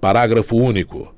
parágrafo único